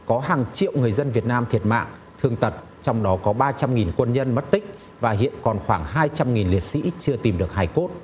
có hàng triệu người dân việt nam thiệt mạng thương tật trong đó có ba trăm nghìn quân nhân mất tích và hiện còn khoảng hai trăm nghìn liệt sỹ chưa tìm được hài cốt